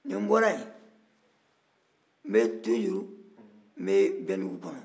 ni n bɔra n bɛ halisa bɛndugu kɔnɔ